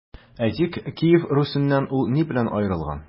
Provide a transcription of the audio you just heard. Әйтик, Киев Русеннан ул ни белән аерылган?